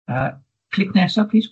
Yy clic nesa plîs...